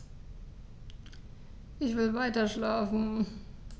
Ich will weiterschlafen.